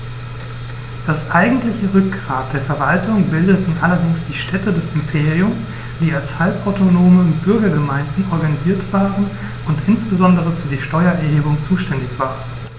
Das eigentliche Rückgrat der Verwaltung bildeten allerdings die Städte des Imperiums, die als halbautonome Bürgergemeinden organisiert waren und insbesondere für die Steuererhebung zuständig waren.